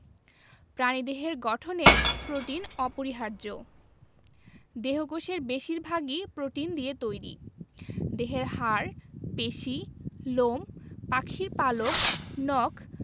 প্রাণীদেহের গঠনে প্রোটিন অপরিহার্য দেহকোষের বেশির ভাগই প্রোটিন দিয়ে তৈরি দেহের হাড় পেশি লোম পাখির পালক নখ